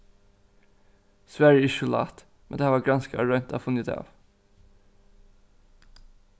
svarið er ikki so lætt men tað hava granskarar roynt at funnið útav